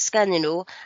sgennyn n'w